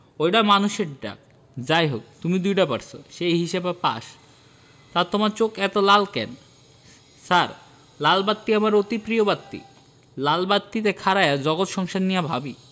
ওইডা মানুষের ডাক যাই হোক তুমি দুইডা পারছো সেই হিসেবে পাস তা তোমার চোখ এত লাল কেন ছার লাল বাত্তি আমার অতি প্রিয় বাত্তি লাল বাত্তি তে খাড়ায়া জগৎ সংসার নিয়া ভাবি